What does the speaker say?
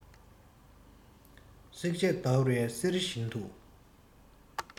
སྲེག བཅད བརྡར བའི གསེར བཞིན དུ